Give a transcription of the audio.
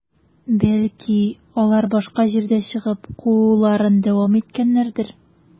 Бәлки, алар башка җирдә чыгып, кууларын дәвам иткәннәрдер?